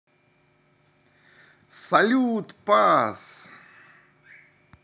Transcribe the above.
salute пас